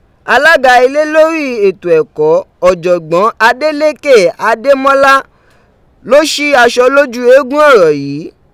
Alaga ile lori eto ẹkọ, Ọjọgbọn Adélékè Adémọ́lá lo ṣi aṣọ loju eegun ọrọ yii.